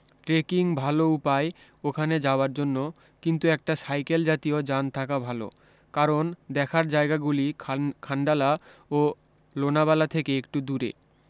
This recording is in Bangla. ট্রেকিং ভাল উপায় ওখানে যাবার জন্য কিন্তু একটা সাইকেল জাতীয় যান থাকা ভাল কারণ দেখার যায়গাগুলি খান্ডালা ও লোনাভালা থেকে একটু দূরে